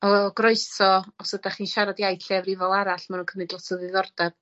o fel groeso os ydach chi'n siarad iaith lleiafrifol arall ma' nw cymryd lot o ddiddordeb.